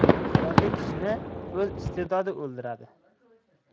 istedodli kishini o'z istedodi o'ldiradi